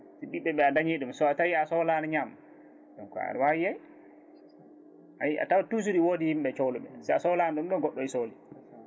si ɓiɓɓe ɓe a dañi ɗum so tawi a sohlani ñaam donc aɗa wawi yeey ayi a tawat toujours woodi yimɓe cohluɓe sa sohlani ɗum goɗɗo ne sohli